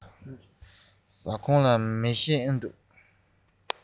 ཟ ཁང ལ མེ ཤིང འདུག གས